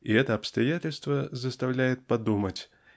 И это обстоятельство заставляет подумать